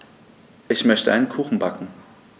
Ich möchte einen Kuchen backen.